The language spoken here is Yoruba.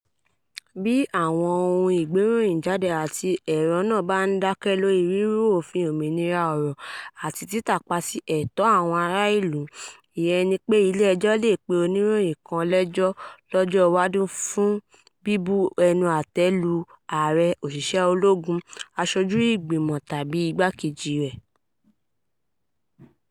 Bí àwọn ohun ìgberòyìn jáde àti èrò náà bá dákẹ́ lórí rírú òfin òmìnira ọ̀rọ̀ àti títàpá sí ẹ̀tọ́ àwọn ará ìlú, ìyẹn ni pé ilé ẹjọ́ lè pe oniroyin kan lẹ́jọ́ lọ́jọ́ iwájú fún bíbu ẹnu àtẹ́ lu Aàrẹ, òṣìṣẹ́ ológun, aṣojú ìgbìmọ̀ tàbí igbákejì ẹ̀.